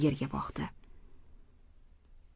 yerga boqdi